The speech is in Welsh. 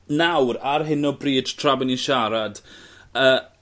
nawr ar hyn o bryd tra bo' ni'n siarad yy.